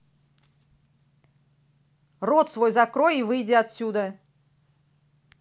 рот свой закрой и выйди отсюда